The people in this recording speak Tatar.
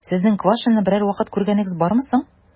Сезнең Квашнинны берәр вакыт күргәнегез бармы соң?